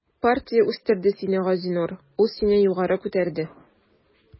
Партия үстерде сине, Газинур, ул сине югары күтәрде.